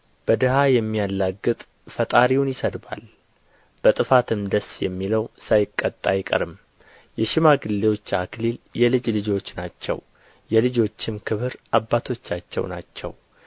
በድሀ የሚያላግጥ ፈጣሪውን ይሰድባል በጥፋትም ደስ የሚለው ሳይቀጣ አይቀርም የሽማግሌዎች አክሊል የልጅ ልጆች ናቸው የልጆችም ክብር አባቶቻቸው ናቸው